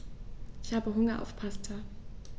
Ich habe Hunger auf Pasta.